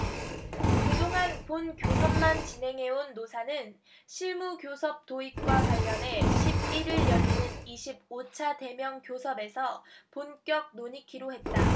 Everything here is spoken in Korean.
그 동안 본교섭만 진행해온 노사는 실무교섭 도입과 관련해 십 일 일 열리는 이십 오 차 대면교섭에서 본격 논의키로 했다